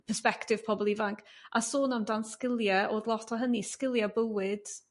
persbectif pobl ifanc a sôn am dan sgilia' o'dd lot o hynny sgilia' bywyd